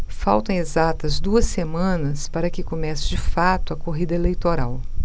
faltam exatas duas semanas para que comece de fato a corrida eleitoral